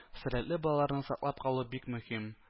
Сәләтле балаларны саклап калу бик мөһим